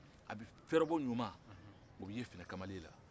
fɛrɛbɔ ɲuman o bɛ ye fine kamalen na